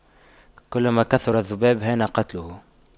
كلما كثر الذباب هان قتله